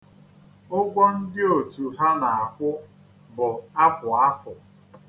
Ụgwọ ndị otu ha na-akwụ bụ afụ afụ.